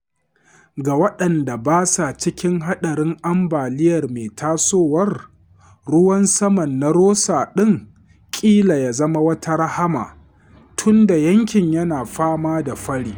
Ga waɗanda ba sa cikin haɗarin ambaliyar mai tasowar, ruwan saman na Rosa ɗin ƙila ya zama wata rahama tun da yankin yana fama da fari.